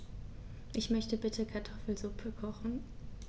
Ich möchte bitte Kartoffelsuppe kochen.